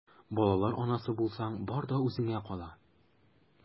Балалар анасы булсаң, бар да үзеңә кала...